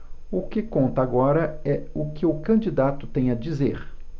o que conta agora é o que o candidato tem a dizer